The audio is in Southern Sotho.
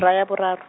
ya ra boraro.